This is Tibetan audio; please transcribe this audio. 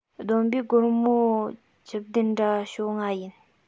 བསྡོམས པས སྒོར མོ བཅུ བདུན ར ཞོ ལྔ ཡིན